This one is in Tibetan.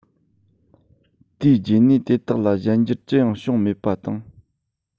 དེའི རྗེས ནས དེ དག ལ གཞན འགྱུར ཅི ཡང བྱུང མེད པ དང